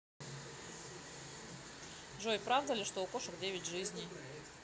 джой правда ли что у кошек девять жизней